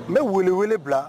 N bɛ wuliw bila